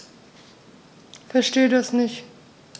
Verstehe das nicht.